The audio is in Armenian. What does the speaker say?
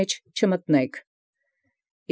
Մտանիցէքե։